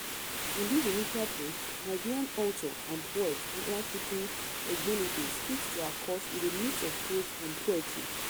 In this initial post, Nigerian author and poet Nwachukwu Egbunike speaks to our cause with a mix of prose and poetry.